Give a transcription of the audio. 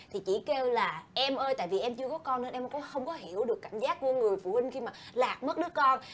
thì chỉ kêu là em ơi tại vì em chưa có con nên em cũng không có hiểu được cảm giác của người phụ huynh khi mà lạc mất đứa con